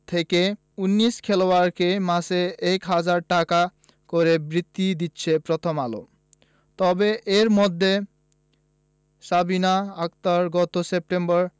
থেকে ১৯ খেলোয়াড়কে মাসে ১ হাজার টাকা করে বৃত্তি দিচ্ছে প্রথম আলো তবে এর মধ্যে সাবিনা আক্তার গত সেপ্টেম্বরে